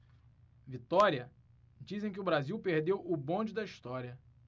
vitória dizem que o brasil perdeu o bonde da história